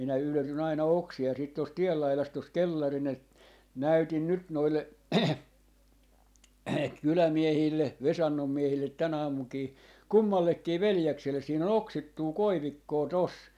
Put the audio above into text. minä yletyn aina oksia sitten tuosta tien laidasta tuossa kellarin - näytin nyt noille kylämiehille Vesannon miehille tänä aamunakin kummallekin veljekselle siinä on oksittua koivikkoa tuossa